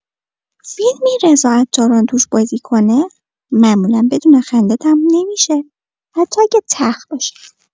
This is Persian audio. فیلمی رضا عطاران توش بازی کنه معمولا بدون خنده تموم نمی‌شه، حتی اگه تلخ باشه.